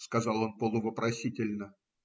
- сказал он полувопросительно.